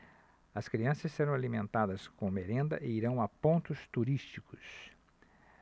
as crianças serão alimentadas com merenda e irão a pontos turísticos